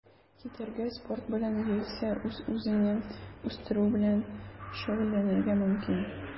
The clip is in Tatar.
Китәргә, спорт белән яисә үз-үзеңне үстерү белән шөгыльләнергә мөмкин.